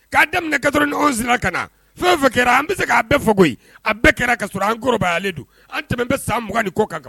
K'a daminɛ 91 la ka na fɛn o fɛn kɛra an bɛ se k'a bɛɛ fɔ koyi, a bɛɛ kɛra ka sɔrɔ an kɔrɔbayalen don an tɛmɛ ni bɛ san 20 ni kɔ kan